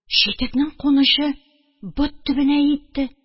Читекнең кунычы бот төбенә йитте